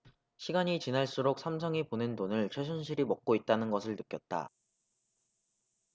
시간이 지날수록 삼성이 보낸 돈을 최순실이 먹고 있다는 것을 느꼈다